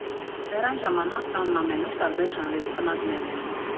Դեռ այն ժամանակ տանն ամենուր տարբեր ժանրերի պնակներ էին։